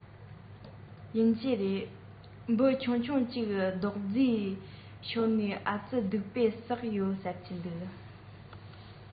ཡིན གྱི རེད འབུ ཆུང ཆུང ཅིག རྡོག རྫིས ཤོར ནའི ཨ རྩི སྡིག པ བསགས སོང ཟེར གྱི འདུག